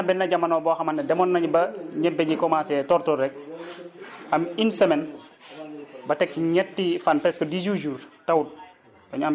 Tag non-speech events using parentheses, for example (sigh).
amoon na benn jamono boo xamante ne demoon nañu ba ñebe ji commencé tórtóor rek (crosstalk) am une semaine (crosstalk) ba teg ci ñetti fan presque dix huit jours tawut